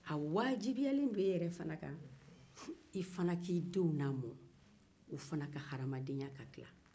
a wajibiyalen don e yɛrɛ fana kan i fana k'i denw lamɔ u fana ka hadamadenya ka dila